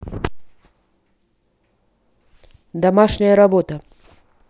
домашняя работа